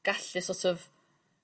gallu so't of